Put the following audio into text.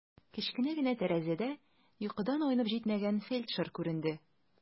Кечкенә генә тәрәзәдә йокыдан айнып җитмәгән фельдшер күренде.